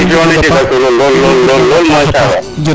emission ne jega solo lool lool machaala